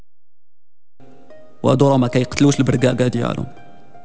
ودوامات الكلوش الفرقا دياره